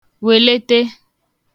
wèlete